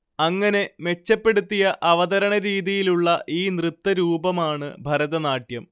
അങ്ങനെ മെച്ചപ്പെടുത്തിയ അവതരണരീതിയിലുള്ള ഈ നൃത്തരൂപമാണ്‌ ഭരതനാട്യം